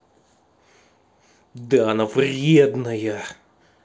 да она вредная